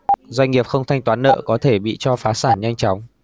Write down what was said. doanh nghiệp không thanh toán nợ có thể bị cho phá sản nhanh chóng